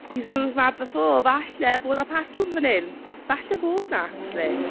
He's moved mad before. Falle bod 'na patrwm fan hyn. Falle bod 'na acshyli.